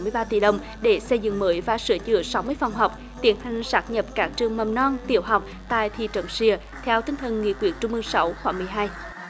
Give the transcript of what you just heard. mươi ba tỷ đồng để xây dựng mới và sửa chữa sáu mươi phòng học tiến hành sáp nhập các trường mầm non tiểu học tại thị trấn sịa theo tinh thần nghị quyết trung ương sáu khóa mười hai